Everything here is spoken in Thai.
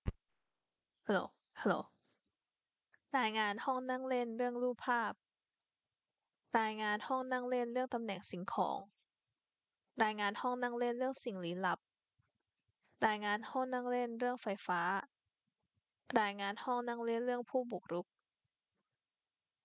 รายงานห้องนั่งเล่นเรื่องไฟฟ้า